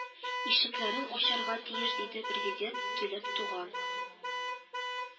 Ишекләрен ачарга тиеш, диде президент, килеп туган